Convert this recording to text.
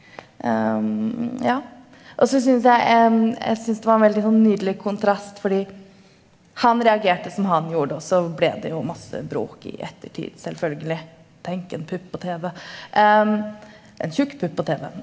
ja og så syns jeg jeg syns det var en veldig sånn nydelig kontrast fordi han reagerte som han gjorde og så ble det jo masse bråk i ettertid, selvfølgelig, tenk en pupp på tv en tjukk pupp på tv.